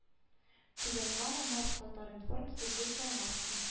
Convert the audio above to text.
Түбән кама март татар информ сергей толмацкий